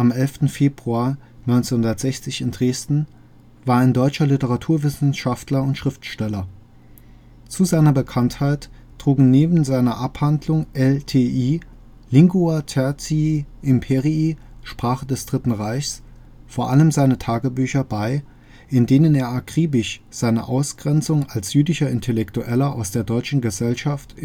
11. Februar 1960 in Dresden) war ein deutscher Literaturwissenschaftler und Schriftsteller. Zu seiner Bekanntheit trugen neben seiner Abhandlung LTI (Lingua Tertii Imperii, Sprache des Dritten Reichs) vor allem seine Tagebücher bei, in denen er akribisch seine Ausgrenzung als jüdischer Intellektueller aus der deutschen Gesellschaft